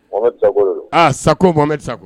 Mohamɛdi Sako de don, a Sako Mohamɛdi Sako